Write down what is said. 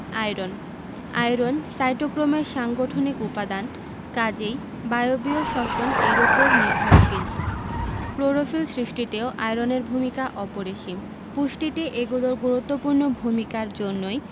iron iron সাইটোক্রোমের সাংগঠনিক উপাদান কাজেই বায়বীয় শ্বসন এর উপর নির্ভরশীল ক্লোরোফিল সৃষ্টিতেও আয়রনের ভূমিকা অপরিসীম পুষ্টিতে এগুলোর গুরুত্বপূর্ণ ভূমিকার জন্যই